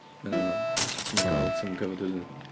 Yna ti ddim yn cael, ti ddim yn covered wedyn.